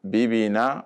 B' na